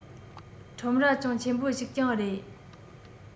ཁྲོམ ར ཅུང ཆེན པོ ཞིག ཀྱང རེད